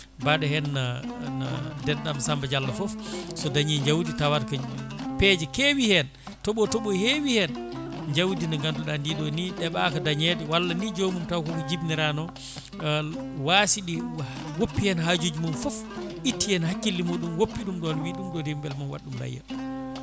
mbaɗo hen no no denɗam Samba Diallo foof so daañi jawdi tawata ko peeje kewi hen tooɓo tooɓo hewi hen jawdi ndi ganduɗa ndi ɗo ni ɗeɓaka dañede walla ni joomu taw ko jibinirano waasiɗi woppi hen haajuji mum foof itti hen hakkille muɗum woppi ɗum ɗon wii ɗum ɗo nde belle mami waɗɗum layya